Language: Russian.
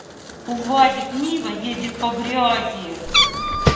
увазик нива ездит по грязи